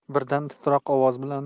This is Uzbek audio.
birdan titroq ovoz bilan